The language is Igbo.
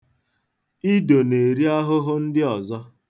Ido na-eri ahụhụ ndị ọzọ.